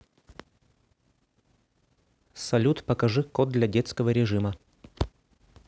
салют покажи код для детского режима